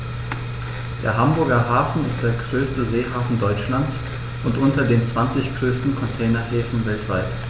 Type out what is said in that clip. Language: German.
Der Hamburger Hafen ist der größte Seehafen Deutschlands und unter den zwanzig größten Containerhäfen weltweit.